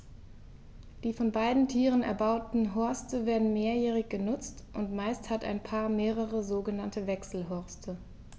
Die von beiden Tieren erbauten Horste werden mehrjährig benutzt, und meist hat ein Paar mehrere sogenannte Wechselhorste.